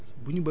c' est ça